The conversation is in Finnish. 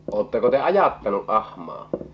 oletteko te ajattanut ahmaa